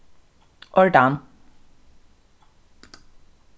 ordan